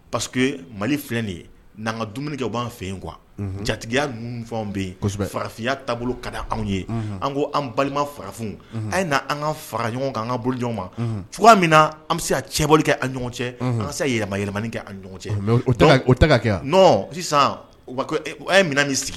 Pa ye mali filɛ de ye'an ka dumuni kɛ b'an fɛ yen kuwa jatigiya ninnu bɛ yen farafinya taabolo ka di anw ye an ko an balima fagafin a ye an ka faga ɲɔgɔn kan an ka bolo kan fug min na an bɛ se a cɛbɔ kɛ a ɲɔgɔn cɛ an se yɛlɛmama yɛlɛmani kɛ a ɲɔgɔn cɛ ta kɛ sisan u minɛn min sigi